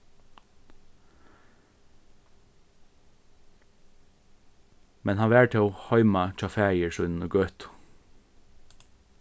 men hann var tó heima hjá faðir sínum í gøtu